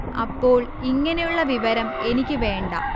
അപ്പോൾ ഇങ്ങനെയുള്ള വിവരം എനിക്ക് വേണ്ട